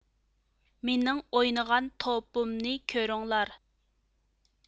مېنىڭ ئوينىغان توپۇمنى كۆرۈڭلار